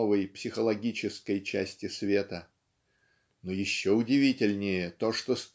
новой психологической части света. Но еще удивительнее то что